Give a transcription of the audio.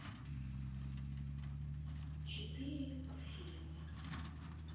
четыре к фильмы